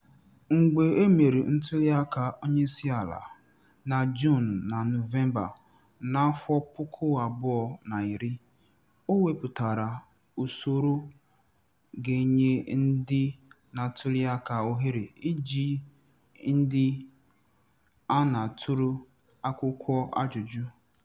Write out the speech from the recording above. Mgbe e mere ntuliaka onyeisiala, na Juun na Nọvemba 2010, o wepụtara usoro ga-enye ndị na-atuliaka ohere iji ndị a na-atụrụ akwụkwọ ajụjụ.